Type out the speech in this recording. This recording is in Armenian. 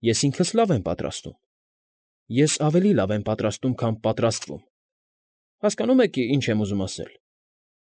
Ես ինքս լավ եմ պատրաստում, ես ավելի լավ պատրաստում եմ, քան պատրաստվում եմ, հասկանո՞ւմ եք ինչ եմ ուզում ասել։